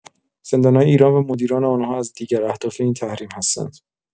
زندان‌های ایران و مدیران آنها از دیگر اهداف این تحریم هستند.